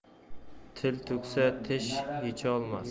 til tugsa tish yecholmas